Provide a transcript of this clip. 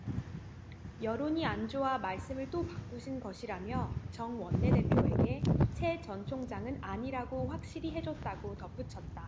여론이 안 좋아 말씀을 또 바꾸신 것이라며 정 원내대표에게 채 전 총장은 아니라고 확실히 해줬다고 덧붙였다